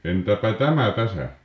entäpä tämä tässä